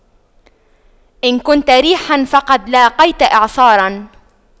إن كنت ريحا فقد لاقيت إعصارا